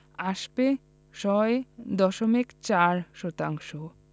আসবে ৬.৪ শতাংশ